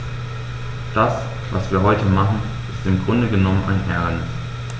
Das, was wir heute machen, ist im Grunde genommen ein Ärgernis.